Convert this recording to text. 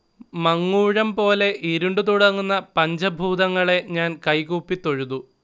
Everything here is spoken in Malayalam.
മങ്ങൂഴംപോലെ ഇരുണ്ടുതുടങ്ങുന്ന പഞ്ചഭൂതങ്ങളെ ഞാൻ കൈകൂപ്പി തൊഴുതു